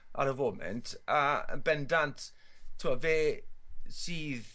ar y foment a yy bendant t'wo' fe sydd